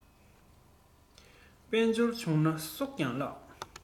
དཔལ འབྱོར བྱུང ན སྲོག ཀྱང བརླག